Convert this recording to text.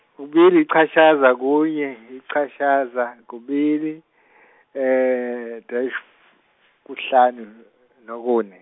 kubili ichashaza kunye ichashaza kubili dash kuhlanu nokune.